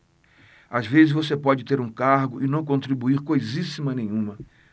às vezes você pode ter um cargo e não contribuir coisíssima nenhuma